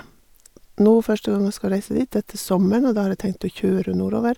Nå første gang jeg skal reise dit etter sommeren, og da har jeg tenkt å kjøre nordover.